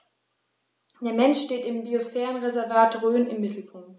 Der Mensch steht im Biosphärenreservat Rhön im Mittelpunkt.